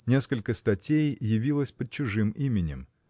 Несколько статей явилось под чужим именем.